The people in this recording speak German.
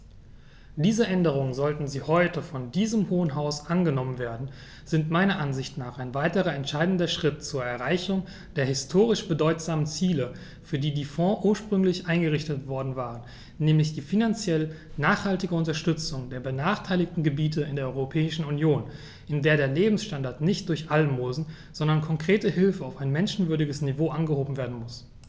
Diese Änderungen, sollten sie heute von diesem Hohen Haus angenommen werden, sind meiner Ansicht nach ein weiterer entscheidender Schritt zur Erreichung der historisch bedeutsamen Ziele, für die die Fonds ursprünglich eingerichtet worden waren, nämlich die finanziell nachhaltige Unterstützung der benachteiligten Gebiete in der Europäischen Union, in der der Lebensstandard nicht durch Almosen, sondern konkrete Hilfe auf ein menschenwürdiges Niveau angehoben werden muss.